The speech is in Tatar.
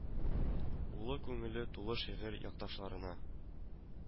Улы күңеле тулы шигырь, якташларына